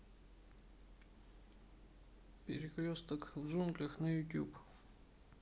перекресток в джунглях на ютуб